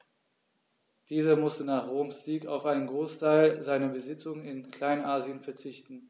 Dieser musste nach Roms Sieg auf einen Großteil seiner Besitzungen in Kleinasien verzichten.